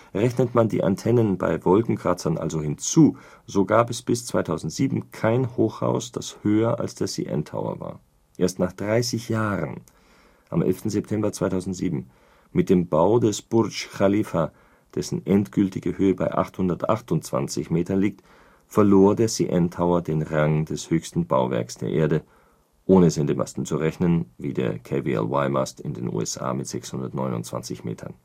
Rechnet man die Antennen bei Wolkenkratzern also hinzu, so gab es bis 2007 kein Hochhaus, das höher als der CN Tower war. Erst nach 30 Jahren, am 11. September 2007, mit dem Bau des Burdsch Chalifa, dessen endgültige Höhe bei 828 Metern liegt, verlor der CN Tower den Rang des höchsten Bauwerks der Erde – ohne Sendemasten zu rechnen, wie der KVLY-Mast in den USA mit 629 Metern